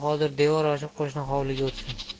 hozir devor oshib qo'shni hovliga o'tsa